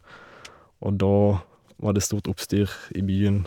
Og da var det stort oppstyr i byen.